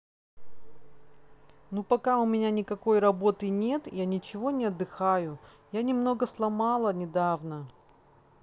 ну пока у меня никакой работы нет я ничего не отдыхаю я немного сломала недавно